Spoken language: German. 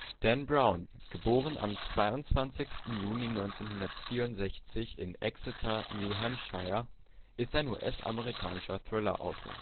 Dan Brown (* 22. Juni 1964 in Exeter, New Hampshire) ist ein US-amerikanischer Thriller-Autor